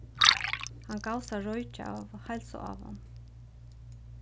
hann gavst at roykja av heilsuávum